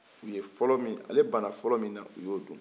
ale banan fɔlɔ min na u y'o dun